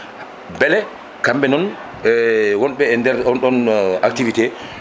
beele kamɓe noon e wonɓe e nder on ɗon activité